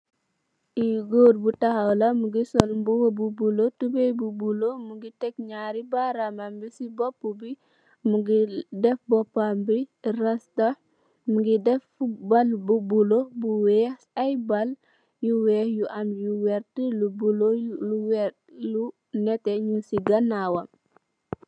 Ki gór bu taxaw la mugii sol mbuba bu bula tubay bu bula mugii tèg ñaari baram mam yi ci bopú bi mugii dèf bópam bi rasta mugii dèf bal bu bula bu wèèx ay bal yu wèèx yu am yu werta yu bula yu wèèx yu netteh ñing ci ganaw wam.